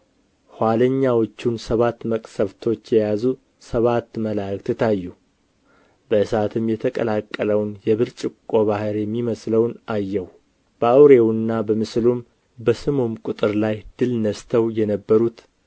ኋለኛዎቹን ሰባት መቅሠፍቶች የያዙ ሰባት መላእክት ታዩ በእሳትም የተቀላቀለውን የብርጭቆ ባሕር የሚመስለውን አየሁ በአውሬውና በምስሉም በስሙም ቍጥር ላይ ድል ነሥተው የነበሩት